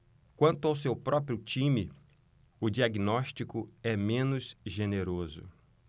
quanto ao seu próprio time o diagnóstico é menos generoso